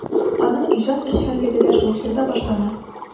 Аның иҗат эшчәнлеге дә шул чорда башлана.